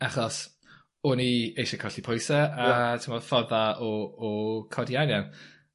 Achos o'n i eisie colli pwys... Ie. ...a t'mod ffordd dda o o codi arian.